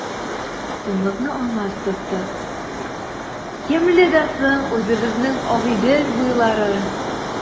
Тынлыкны Алмаз бозды:— Ямьле дә соң үзебезнең Агыйдел буйлары!